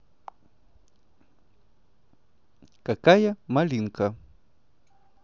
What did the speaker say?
какая малинка